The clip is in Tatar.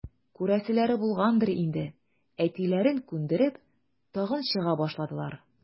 Күрәселәре булгандыр инде, әтиләрен күндереп, тагын чыга башладылар.